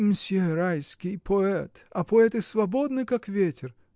— Мсьё Райский поэт, а поэты свободны, как ветер!